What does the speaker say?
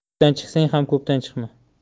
to'pdan chiqsang ham ko'pdan chiqma